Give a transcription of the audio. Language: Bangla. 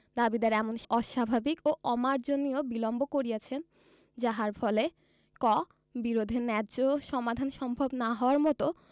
দাবীদার এমন অস্বাভাবিক ও অমার্জনীয় বিলম্ব করিয়াছেন যাহার ফলে ক বিরোধের ন্যায্য সমাধান সম্ভব না হওয়ার মত